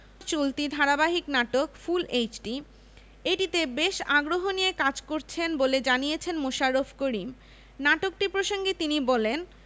চলতি ধারাবাহিক নাটক ফুল এইচডি এটিতে বেশ আগ্রহ নিয়ে কাজ করছেন বলে জানিয়েছেন মোশাররফ করিম নাটকটি প্রসঙ্গে তিনি বলেন